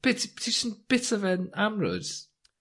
Be' ti ti js yn bita fe'n amrwd?